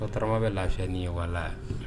Turara bɛ lafi ni ye wala